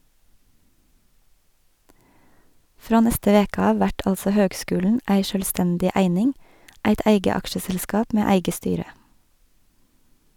Frå neste veke av vert altså høgskulen ei sjølvstendig eining, eit eige aksjeselskap med eige styre.